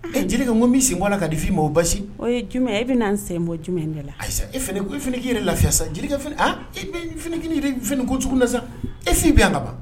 Ɛ jelika n ko b'i sen bɔ a la ka di Fifi ma o ye basi ? O ye jumɛn ye ? E bɛna n sen bɔ jumɛn de la ? Ayi sa e fana, e fana k'i yɛrɛ lafiya sa, Jelika fana han, e bɛ e fana k'i n'i yɛrɛ fɛ ni sugu ninnu na sa, e Fifi bɛ yan ka ban.